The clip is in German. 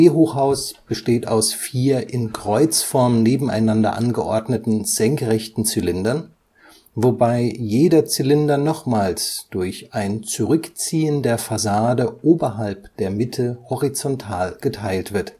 BMW-Hochhaus besteht aus vier in Kreuzform nebeneinander angeordneten senkrechten Zylindern, wobei jeder Zylinder nochmals durch ein Zurückziehen der Fassade oberhalb der Mitte horizontal geteilt wird